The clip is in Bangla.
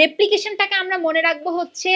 রেপ্লিকেশন টা কে আমরা মনে রাখব হচ্ছে